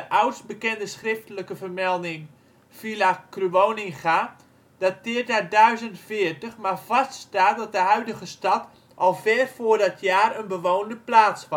oudst bekende schriftelijke vermelding, villa Cruoninga, dateert uit 1040, maar vaststaat dat de huidige stad al ver voor dat jaar een bewoonde plaats was